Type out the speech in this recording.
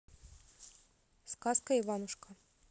сказка иванушка